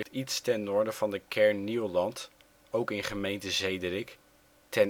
iets ten noorden van de kern Nieuwland, ook in gemeente Zederik, ten